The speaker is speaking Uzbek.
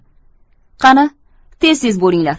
qani tez tez bo'linglar